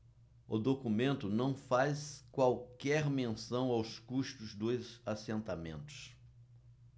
o documento não faz qualquer menção aos custos dos assentamentos